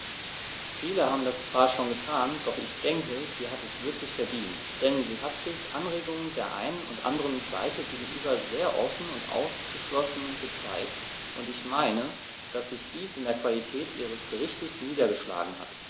Viele haben das zwar schon getan, doch ich denke, sie hat es wirklich verdient, denn sie hat sich Anregungen der einen und anderen Seite gegenüber sehr offen und aufgeschlossen gezeigt, und ich meine, dass sich dies in der Qualität ihres Berichts niedergeschlagen hat.